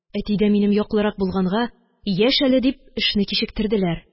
Әти дә минем яклырак булганга, яшь әле дип, эшне кичектерделәр.